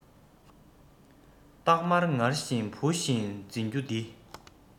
སྟག དམར ངར བཞིན བུ བཞིན འཛིན རྒྱུ འདི